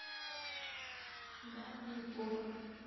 да неплохо